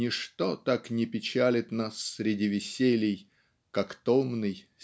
ничто Так не печалит нас среди веселий Как томный